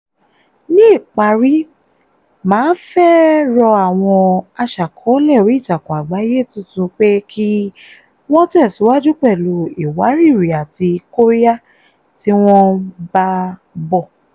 Ní ìparí, màá fẹ́ rọ àwọn aṣàkọọ́lẹ̀ oríìtakùn àgbáyé tuntun pé kí wọ́n tẹ̀síwájú pẹ̀lú ìwárìrì àti kóríyá tí wọ́n ń bá bọ̀.